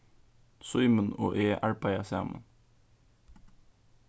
símun og eg arbeiða saman